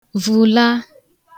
vùla